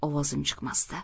ovozim chiqmasdi